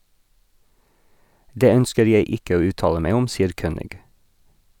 - Det ønsker jeg ikke å uttale meg om, sier Kønig.